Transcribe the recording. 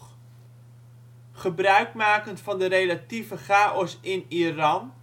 Gebruikmakend van de relatieve chaos in Iran